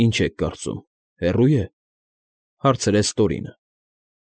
Ինչ եք կարծում, հեռո՞ւ է,֊ հարցրեց Տորինը։